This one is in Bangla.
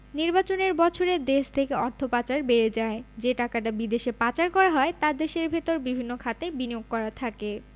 নির্বাচনের বছরে দেশ থেকে অর্থ পাচার বেড়ে যায় যে টাকাটা বিদেশে পাচার করা হয় তা দেশের ভেতরে বিভিন্ন খাতে বিনিয়োগ করা থাকে